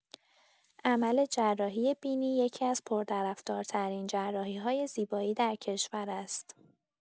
عمل جراحی بینی یکی‌از پرطرفدارترین جراحی‌های زیبایی در کشور است.